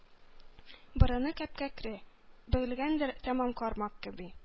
Борыны кәп-кәкре — бөгелгәндер тәмам кармак кеби;